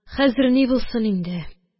– хәзер ни булсын инде,